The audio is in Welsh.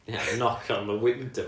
ia"knock on the window"